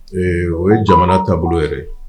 Ee o ye jamana taabolo yɛrɛ